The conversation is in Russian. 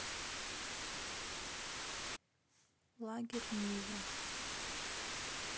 лагерь нива